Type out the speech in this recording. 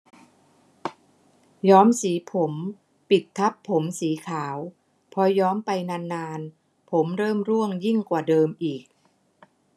ย้อมสีผมปิดทับผมสีขาวพอย้อมไปนานนานผมเริ่มร่วงยิ่งกว่าเดิมอีก